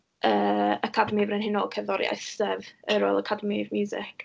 yy Academi Frenhinol Cerddoriaeth sef y Royal Academy of Music.